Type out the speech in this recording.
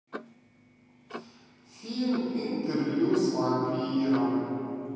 фильм интервью с вампиром